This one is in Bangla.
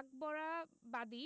আকবরাবাদি